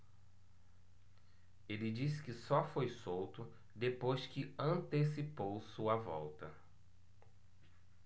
ele disse que só foi solto depois que antecipou sua volta